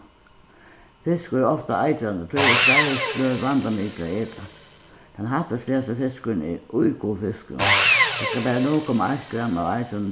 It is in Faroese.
fiskur er ofta eitrandi tí eru fleiri sløg vandamikil at eta tann hættisligasti fiskurin er ígulfiskurin tað skal bara null komma eitt gramm av eitrinum